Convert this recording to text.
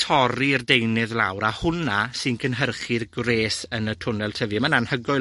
torri'r deunydd lawr, a hwnna sy'n cynhyrchu'r gwres yn y twnnel tyfu. Ma'n anhygoel